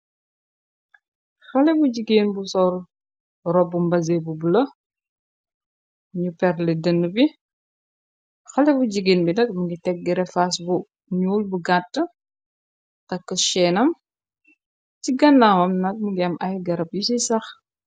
Xaleh bu jigain bu sol robu mbazin bu bleu, nju pehrre dehnue bi, xaleh bu jigain bi nak mungi tek grefaas bu njull bu gattu, taku chainam, chi ganawam nak mungi am ay garab yu ci sax.